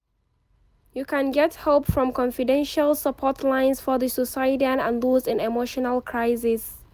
You can get help from confidential support lines for the suicidal and those in emotional crisis.